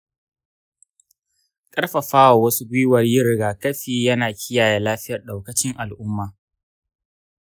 karfafa wa wasu gwiwar yin rigakafi yana kiyaye lafiyar daukacin al'umma.